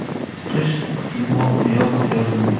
qish qisilmoq yoz yozilmoq